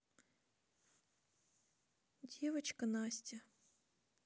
девочка настя